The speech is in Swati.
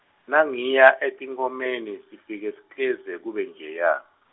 Nangiya etinkhomeni sifike sikleze kube njeya.